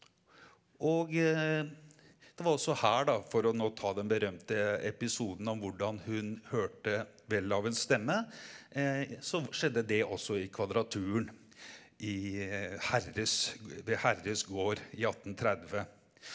og det var også her da for å nå ta den berømte episoden om hvordan hun hørte Welhavens stemme så skjedde det også her i Kvadraturen i Herres ved Herres gård i attentretti.